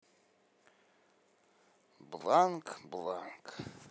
бланк бланк